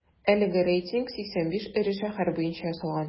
Әлеге рейтинг 85 эре шәһәр буенча ясалган.